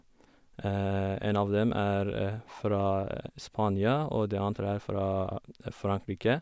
En av dem er fra Spania, og den andre er fra Frankrike.